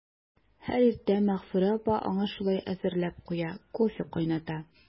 Һәр иртә Мәгъфүрә апа аңа шулай әзерләп куя, кофе кайната.